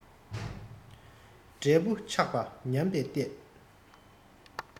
འབྲས བུ ཆགས པ ཉམས པའི ལྟས